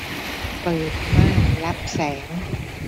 เปิดม่านรับแสง